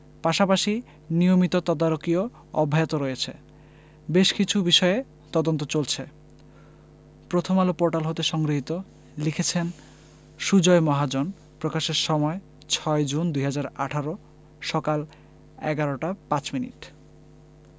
পাশাপাশি নিয়মিত তদারকিও অব্যাহত রয়েছে বেশ কিছু বিষয়ে তদন্ত চলছে প্রথমআলো পোর্টাল হতে সংগৃহীত লিখেছেন সুজয় মহাজন প্রকাশের সময় ৬জুন ২০১৮ সকাল ১১টা ৫ মিনিট